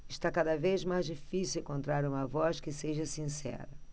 está cada vez mais difícil encontrar uma voz que seja sincera